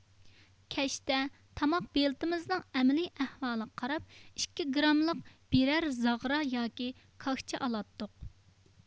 كەچتە تاماق بېلىتىمىزنىڭ ئەمەلىي ئەھۋالىغا قاراپ ئىككى گراملىق بىرەر زاغرا ياكى كاكچا ئالاتتۇق